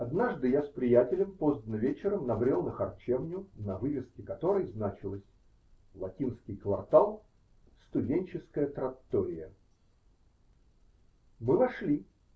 Однажды я с приятелем поздно вечером набрел на харчевню, на вывеске которой значилось: "Латинский квартал. Студенческая траттория". Мы вошли.